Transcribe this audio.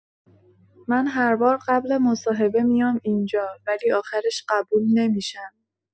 من هر بار قبل مصاحبه میام اینجا، ولی آخرش قبول نمی‌شم.